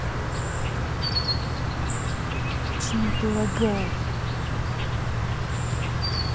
почему ты лагаешь